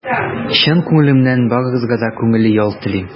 Чын күңелемнән барыгызга да күңелле ял телим!